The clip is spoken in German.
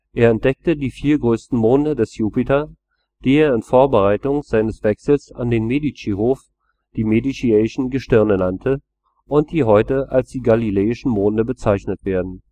Er entdeckte die vier größten Monde des Jupiter, die er in Vorbereitung seines Wechsels an den Medici-Hof die Mediceischen Gestirne nannte und die heute als die Galileischen Monde bezeichnet werden